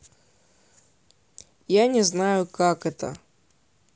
я не знаю как это